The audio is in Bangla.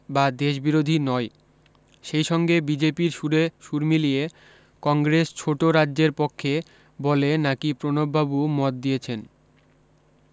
বা দেশ বিরোধী নয় সেইসঙ্গে বিজেপির সুরে সুর মিলিয়ে কংগ্রেস ছোট রাজ্যের পক্ষে বলে নাকি প্রণববাবু মত দিয়েছেন